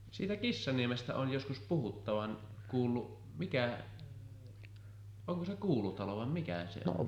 siitä Kissaniemestä olen joskus puhuttavan kuullut mikä onko se kuulu talo vai mikä se on